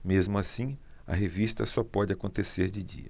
mesmo assim a revista só pode acontecer de dia